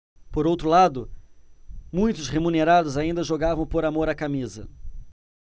por outro lado muitos remunerados ainda jogavam por amor à camisa